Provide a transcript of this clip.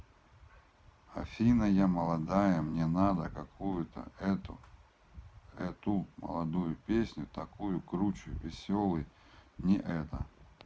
афина я молодая мне надо какую то это эту молодую песню такую круче веселый не это